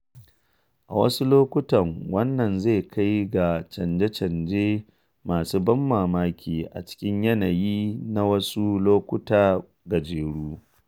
A wasu lokutan wannan zai kai ga canje-canje masu ban mamaki a cikin yanayi na wasu lokuta gajeru.